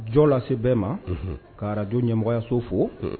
Jɔ lase bɛɛ ma kaj ɲɛmɔgɔyaso fo